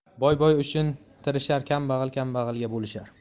boy boy uchun tirishar kambag'al kambag'alga bo'lishar